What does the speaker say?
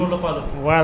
delluwaat ci suuf si